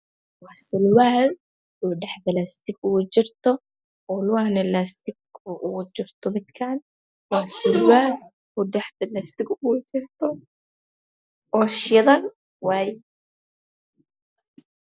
Waa sarwaal oo dhaxda laastig uga jiro